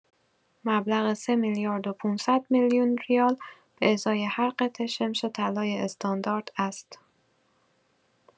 مبلغ ۳ میلیارد و ۵۰۰ میلیون ریال به ازای هر قطعه شمش طلای استاندارد است.